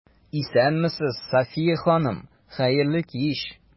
Исәнмесез, Сафия ханым, хәерле кич!